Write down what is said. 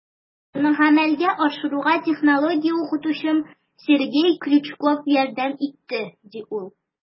Идеяне гамәлгә ашыруга технология укытучым Сергей Крючков ярдәм итте, - ди ул.